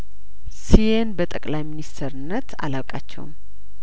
ስዬን በጠቅላይ ሚኒስተርነት አላውቃቸውም